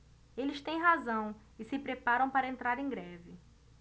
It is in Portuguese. eles têm razão e se preparam para entrar em greve